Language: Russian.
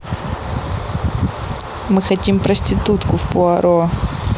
мы хотим проститутку в пуаро